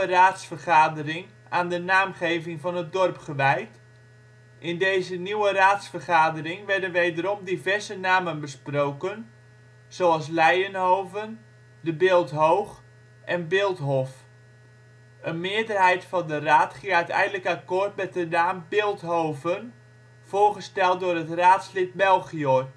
raadsvergadering aan de naamgeving van het dorp gewijd. In deze nieuwe raadsvergadering werden wederom diverse namen besproken, zoals Leyenhoven, De Bilt-Hoog en Bilthof. Een meerderheid van de raad ging uiteindelijk akkoord met de naam Bilthoven, voorgesteld door het raadslid Melchior